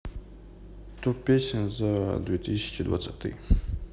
топ песен за две тысячи двадцатый